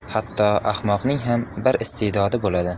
hatto ahmoqning ham bir istedodi bo'ladi